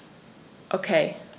Okay.